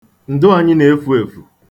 Ndụ anỵị na-efu efu.